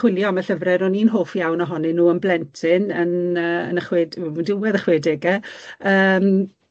chwilio am y llyfre ro'n i'n hoff iawn ohonyn nw yn blentyn yn yy yn y chwed- ww y ddiwedd y chwedege yym.